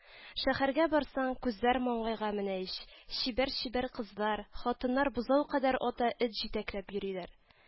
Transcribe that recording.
Шәһәргә барсаң, күзләр маңгайга менә ич: чибәр-чибәр кызлар, хатыннар бозау кадәр ата эт җитәкләп йөриләр